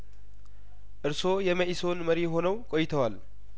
እርስዎ የመኢሶን መሪ ሆነው ቆይተዋል